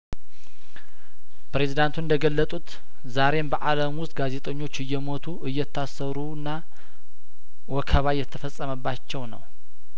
ፕሬዚዳንቱ እንደገለጡት ዛሬም በአለም ውስጥ ጋዜጠኞች እየሞቱ እየታሰሩና ወከባ እየተፈጸመባቸው ነው